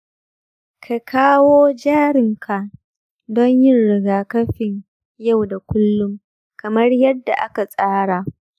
ka kawo jaririnka don yin rigakafin yau da kullum kamar yadda aka tsara